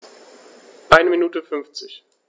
Eine Minute 50